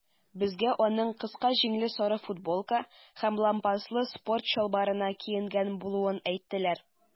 Безгә аның кыска җиңле сары футболка һәм лампаслы спорт чалбарына киенгән булуын әйттеләр.